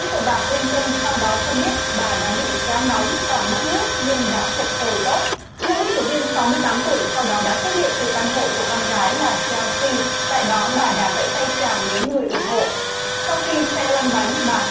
sĩ của bà cờ lin tân sau đó cho biết bà đã bị quá nóng và mất nước nhưng đã phục hồi tốt nữ ứng cử viên sáu mươi tám tuổi sau đó đã xuất hiện từ căn hộ của con gái là cheo xi tại đó bà đã vẫy tay chào những người ủng hộ sau khi xe lăn bánh bà